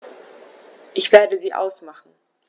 Ich werde sie ausmachen.